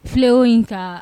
Fléau in ta